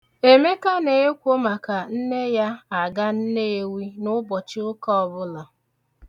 Emeka na-ekwo maka nne ya aga Nnewi n'ụbọchị ụka ọbụla.